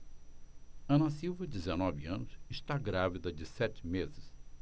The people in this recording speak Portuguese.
ana silva dezenove anos está grávida de sete meses